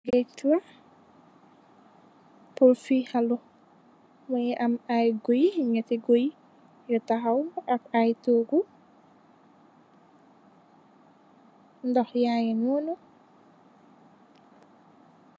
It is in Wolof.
Geudggh pur fihalu, mungy am aiiy guiy, njehti guiy yu takhaw ak aiiy tohgu, ndoh yaangy nonu.